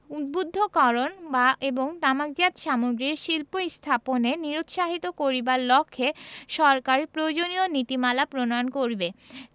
উদ্বুদ্ধকরণ এবং তামাকজাত সামগ্রীর শিল্প স্থাপনে নিরুৎসাহিত করিবার লক্ষ্যে সরকার প্রয়োজনীয় নীতিমালা প্রণয়ন করিবে